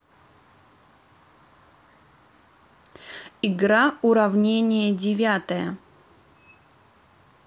игра уравнение девятая